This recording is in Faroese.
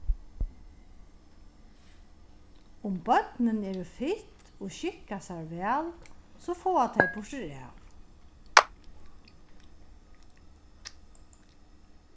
um børnini eru fitt og skikka sær væl so fáa tey burturav